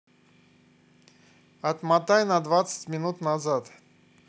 отмотай на двадцать минут назад